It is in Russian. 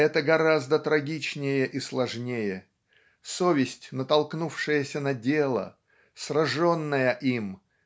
Это гораздо трагичнее и сложнее совесть натолкнувшаяся на дело сраженная им